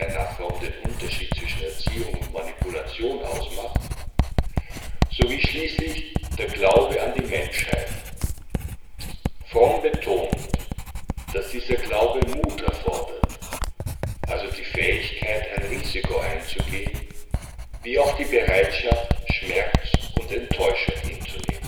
nach Fromm den Unterschied zwischen Erziehung und Manipulation ausmacht sowie schließlich der Glaube an die Menschheit. Fromm betont, dass dieser Glaube Mut erfordert, also die Fähigkeit, ein Risiko einzugehen, wie auch die Bereitschaft, Schmerz und Enttäuschung hinzunehmen